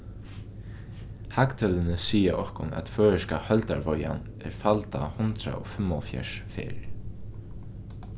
hagtølini siga okkum at føroyska heildarveiðan er faldað hundrað og fimmoghálvfjerðs ferðir